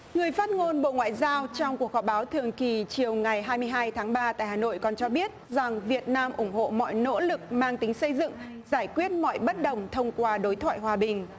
người phát ngôn bộ ngoại giao trong cuộc họp báo thường kỳ chiều ngày hai mươi hai tháng ba tại hà nội còn cho biết rằng việt nam ủng hộ mọi nỗ lực mang tính xây dựng giải quyết mọi bất đồng thông qua đối thoại hòa bình